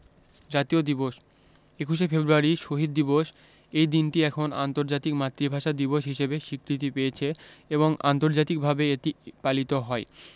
জাতীয় দিবসঃ ২১শে ফেব্রুয়ারি শহীদ দিবস এই দিনটি এখন আন্তর্জাতিক মাতৃভাষা দিবস হিসেবে স্বীকৃতি পেয়েছে এবং আন্তর্জাতিকভাবে এটি পালিত হয়